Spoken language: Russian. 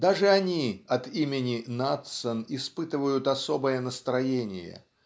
даже они от имени "Надсон" испытывают особое настроение